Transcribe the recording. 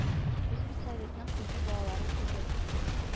Без бит Советның үги балалары түгел